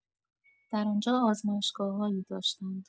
در آنجا آزمایشگاه‌هایی داشتند.